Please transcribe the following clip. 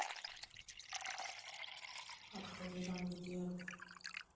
открой зомби дерби